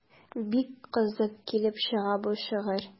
Бик кызык килеп чыга бу шигырь.